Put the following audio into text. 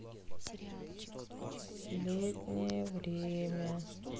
летнее время